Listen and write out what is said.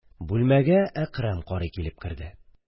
Бүлмәгә Әкрәм карый килеп керде.